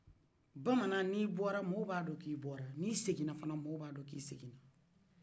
bamana ne bɔla maw ba dɔ k'i bɔla ni segi fɔnɔ maw b'a dɔ k'i segina